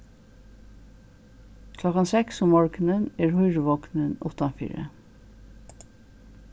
klokkan seks um morgunin er hýruvognurin uttanfyri